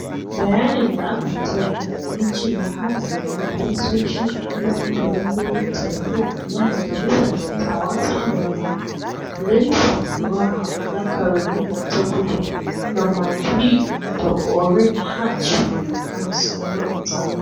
Bayanin da aka fitar ɗin an ce ya haɗa da adiresoshin gida da lambobin tarho don Majalisar Dattawa ta Amurka. Lindsey Graham na Carolina ta Kudu, da Mike Lee da Orrin Hatch, dukkansu na Utah.